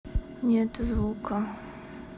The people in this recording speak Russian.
нету звука